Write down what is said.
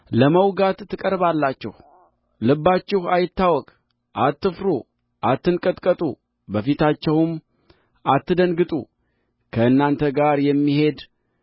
ለመውጋት ትቀርባላችሁ ልባችሁ አይታወክ አትፍሩ አትንቀጥቀጡ በፊታቸውም አትደንግጡ ከእናንተ ጋር የሚሄድ